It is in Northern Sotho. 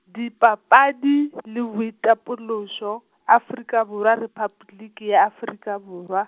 Dipapadi le Boitapološo, Afrika Borwa Repabliki ya Afrika Borwa.